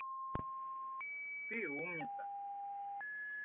ты умница